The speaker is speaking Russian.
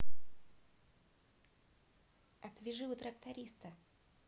отвяжи у тракториста